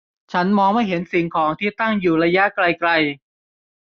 ฉันมองไม่เห็นสิ่งของที่ตั้งอยู่ระยะไกลไกล